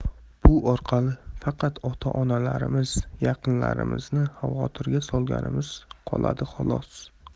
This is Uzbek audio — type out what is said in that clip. bu orqali faqat ota onalarimiz yaqinlarimizni xavotirga solganimiz qoladi xolos